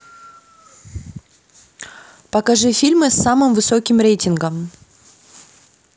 покажи фильмы с самым высоким рейтингом